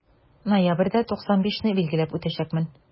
Ноябрьдә 95 не билгеләп үтәчәкмен.